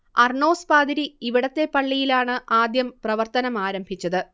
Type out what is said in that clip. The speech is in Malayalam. അർണ്ണോസ് പാതിരി ഇവിടത്തെ പള്ളിയിലാണ് ആദ്യം പ്രവർത്തനം ആരംഭിച്ചത്